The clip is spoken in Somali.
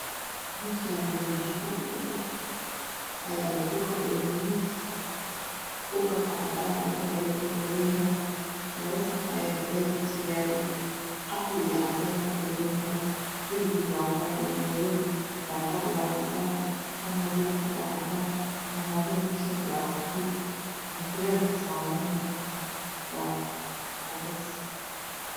Meshani wajiko qolah waxayalokukar iyo miis kukarja waxakakobanyahay cadaniyoqalin gadashisawaxayalo labasaxan qali iyo qaxwikakoban